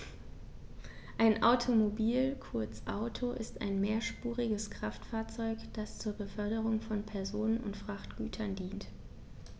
Ein Automobil, kurz Auto, ist ein mehrspuriges Kraftfahrzeug, das zur Beförderung von Personen und Frachtgütern dient.